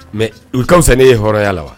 Mais u ka fisa n'e ye hɔrɔnya la wa